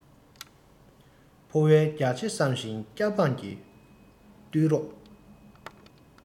ཕོ བའི རྒྱགས ཕྱེ བསམ ཞིང སྐྱ འབངས ཀྱི བརྟུལ རོགས